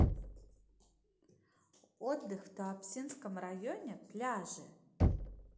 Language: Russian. отдых в туапсинском районе пляжи